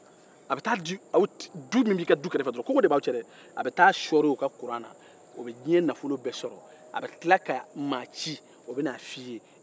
a bɛ t'a don i kɛrɛfɛdu kɔnɔ kogo dɔrɔn bɛ i ni min cɛ wa o bɛ tila ka n'a fɔ i ye